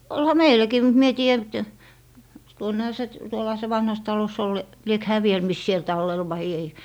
olihan meilläkin mutta minä en tiedä nyt tuonnehan se - tuollahan se vanhassa talossa oli liekö hän vielä missä siellä tallella vai ei